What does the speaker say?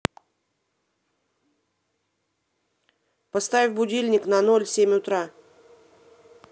поставь будильник на ноль семь утра